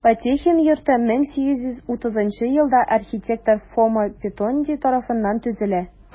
Потехин йорты 1830 елда архитектор Фома Петонди тарафыннан төзелә.